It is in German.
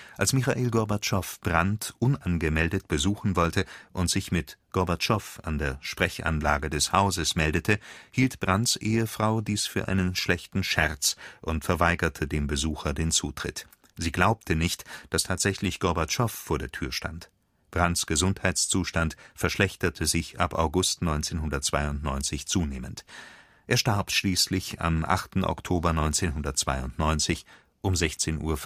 Als Michail Gorbatschow Brandt unangemeldet besuchen wollte und sich mit Gorbatschow an der Sprechanlage des Hauses meldete, hielt Brandts Ehefrau dies für einen schlechten Scherz und verweigerte dem Besucher den Zutritt. Sie glaubte nicht, dass tatsächlich Gorbatschow vor der Tür stand. Brandts Gesundheitszustand verschlechterte sich ab August 1992 zunehmend. Er starb schließlich am 8. Oktober 1992 um 16:35 Uhr